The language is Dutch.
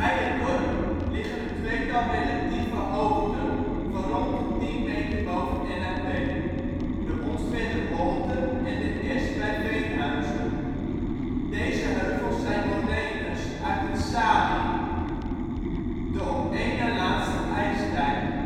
het dorp liggen een tweetal relatieve hoogten van rond de tien meter boven NAP: de Onstwedder Holte en de es bij Veenhuizen. Deze heuvels zijn morenes uit het Saalien, de op een na laatste ijstijd